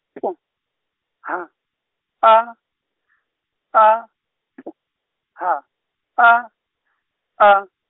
P H A A P H A A.